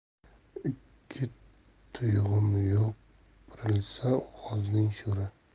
ikki tuyg'un yoprilsa g'ozning sho'ri